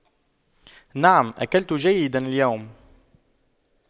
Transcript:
نعم أكلت جيدا اليوم